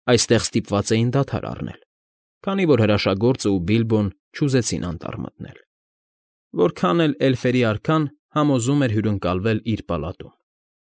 Այստեղ ստիպված էին դադար առնել, քանի որ հրաշագործն ու Բիլբոն չուզեցին անտառ մտնել, որքան էլ էլֆերի արքան համոզում էր հյուրընկալվել իր պալատում։